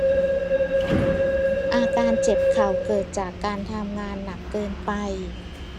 อาการเจ็บเข่าเกิดจากการทำงานหนักเกินไป